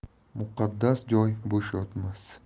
muqaddas joy bo'sh yotmas